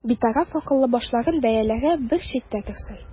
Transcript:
Битараф акыллы башларның бәяләре бер читтә торсын.